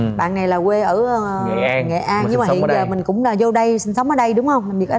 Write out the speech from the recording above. bạn này là quê ở nghệ an nhưng mà hiện giờ mình cũng là dô đây sinh sống ở đây đúng không làm việc ở